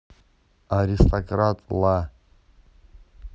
аристократ ла